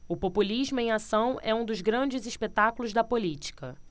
o populismo em ação é um dos grandes espetáculos da política